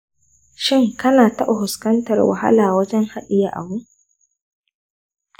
shin kana taɓa fuskantar wahala wajen haɗiye abu?